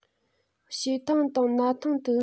ཕྱེ ཐང དང ན ཐང དུ